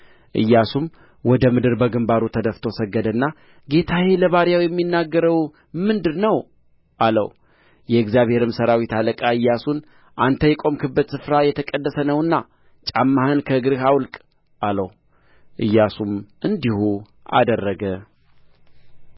ኢያሱም ወደ ምድር በግምባሩ ተደፍቶ ሰገደና ጌታዬ ለባሪያው የሚነግረው ምንድር ነው አለው የእግዚአብሔርም ሠራዊት አለቃ ኢያሱን አንተ የቆምህበት ስፍራ የተቀደሰ ነውና ጫማህን ከእግርህ አውልቅ አለው ኢያሱም እንዲሁ አደረገ